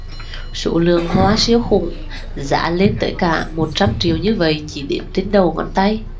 số lượng hoa siêu khủng giá lên tới cả một trăm triệu như vậy chỉ đếm trên đầu ngón tay